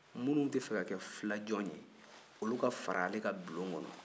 minnu tɛ fɛ ka kɛ filajɔn ye olu ka fara ale kan bulon kɔnɔ